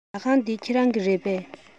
ཉལ ཁང འདི ཁྱེད རང གི རེད པས